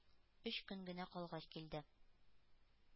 Өч көн генә калгач килде.